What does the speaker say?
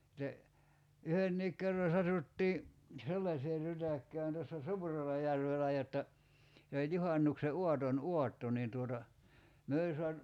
sitten yhdenkin kerran satuttiin sellaiseen rytäkkään tässä Suurellajärvellä jotta se oli juhannuksen aaton aatto niin tuota me oli saatu